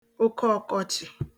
okeọ̄kọ̄chị̀